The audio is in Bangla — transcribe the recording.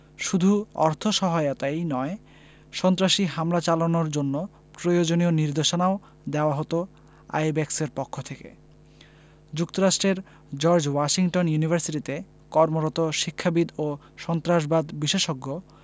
শুধু অর্থসহায়তাই নয় সন্ত্রাসী হামলা চালানোর জন্য প্রয়োজনীয় নির্দেশনাও দেওয়া হতো আইব্যাকসের পক্ষ থেকে যুক্তরাষ্ট্রের জর্জ ওয়াশিংটন ইউনিভার্সিটিতে কর্মরত শিক্ষাবিদ ও সন্ত্রাসবাদ বিশেষজ্ঞ